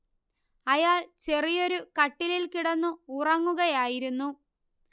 അയാൾ ചെറിയൊരു കട്ടിലിൽ കിടന്നു ഉറങ്ങുകയായിരുന്നു